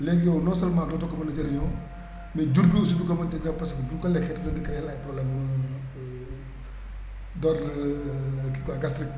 léegi yow non seulement dootoo ko mën a jariñoo mais jur gi aussi duñ ko mënati * parce que bu ñu ko lekkee dafa leen di créé ay problèmes mu d' ordre kii quoi gastrique